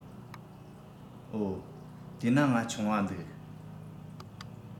འོ དེས ན ང ཆུང བ འདུག